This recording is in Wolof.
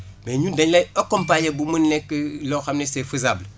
mais ñun dañu lay accompagner ba mu nekk loo xam ne c' faisable